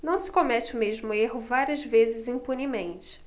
não se comete o mesmo erro várias vezes impunemente